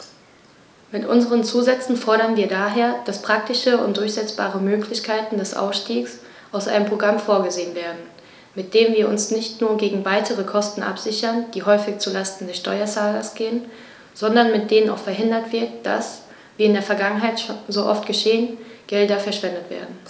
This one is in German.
Mit unseren Zusätzen fordern wir daher, dass praktische und durchsetzbare Möglichkeiten des Ausstiegs aus einem Programm vorgesehen werden, mit denen wir uns nicht nur gegen weitere Kosten absichern, die häufig zu Lasten des Steuerzahlers gehen, sondern mit denen auch verhindert wird, dass, wie in der Vergangenheit so oft geschehen, Gelder verschwendet werden.